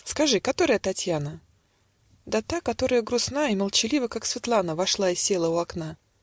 Скажи: которая Татьяна?" - Да та, которая, грустна И молчалива, как Светлана, Вошла и села у окна.